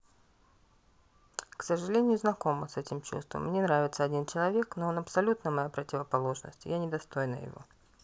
к сожалению знакома с этим чувством мне нравится один человек но он абсолютно моя противоположность я недостойна его